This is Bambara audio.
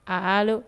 Haa